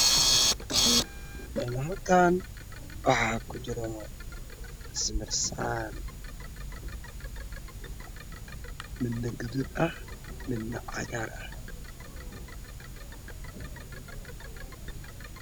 Halkaan waxaa ki jira samirsaan midna guduud ah midna cagaar ah